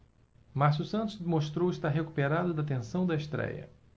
márcio santos mostrou estar recuperado da tensão da estréia